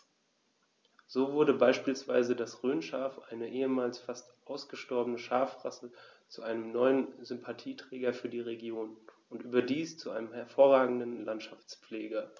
So wurde beispielsweise das Rhönschaf, eine ehemals fast ausgestorbene Schafrasse, zu einem neuen Sympathieträger für die Region – und überdies zu einem hervorragenden Landschaftspfleger.